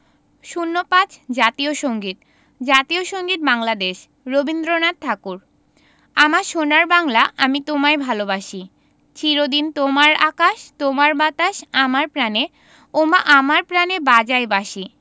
০৫ জাতীয় সংগীত জাতীয় সংগীত বাংলাদেশ রবীন্দ্রনাথ ঠাকুর আমার সোনার বাংলা আমি তোমায় ভালোবাসি চির দিন তোমার আকাশ তোমার বাতাস আমার প্রাণে ওমা আমার প্রানে বাজায় বাঁশি